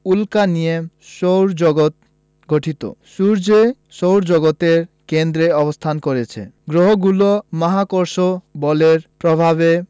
উল্কা নিয়ে সৌরজগৎ গঠিত সূর্য সৌরজগতের কেন্দ্রে অবস্থান করছে গ্রহগুলো মহাকর্ষ বলের প্রভাবে